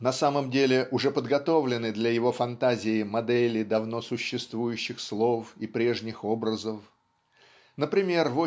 на самом деле уже подготовлены для его фантазии модели давно существующих слов и прежних образов. Например